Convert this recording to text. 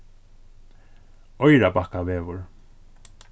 oyrarbakkavegur